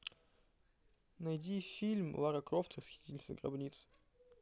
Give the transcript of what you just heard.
найди фильм лара крофт расхитительница гробниц